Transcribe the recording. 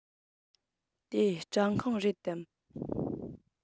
དེ སྐྲ ཁང རེད དམ